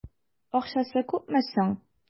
Акчасы күпме соң?